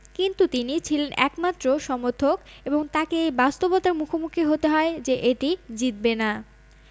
কিন্তু তিনি ছিলেন একমাত্র সমর্থক এবং তাঁকে এই বাস্তবতার মুখোমুখি হতে হয় যে এটি জিতবে না